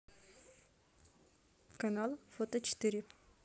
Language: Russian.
канал фото четыре